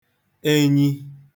enyi